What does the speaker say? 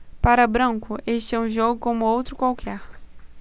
para branco este é um jogo como outro qualquer